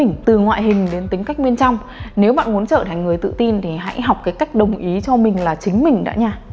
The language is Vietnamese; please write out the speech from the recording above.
tự ngoại hình đến tính cách bên trong nếu bạn muốn trở thành người tự tin thì hãy học cái cách đồng ý cho mình là chính mình đã nha